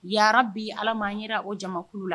Yaarabi Ala m'an yera o jamakulu la